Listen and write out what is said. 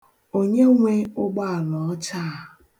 Onye nwe ụgbọala ọcha a?